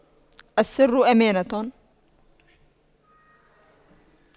السر أمانة